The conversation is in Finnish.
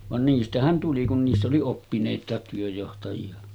vaan niistähän tuli kun niissä oli oppineitakin työnjohtajia